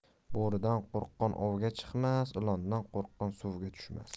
bo'ridan qo'rqqan ovga chiqmas ilondan qo'rqqan suvga tushmas